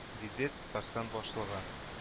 - диде татарстан башлыгы